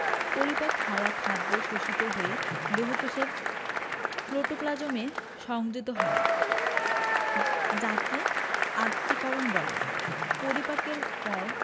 পরিপাক হওয়া খাদ্য শোষিত হয়ে দেহকোষের প্রোটোপ্লাজমে সংযোজিত হয় যাকে আত্তীকরণ বলে পরিপাকের পর